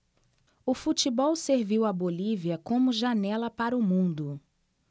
o futebol serviu à bolívia como janela para o mundo